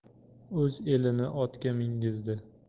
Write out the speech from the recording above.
o'z elini otga mingizdi